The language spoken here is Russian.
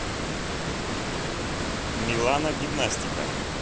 милана гимнастика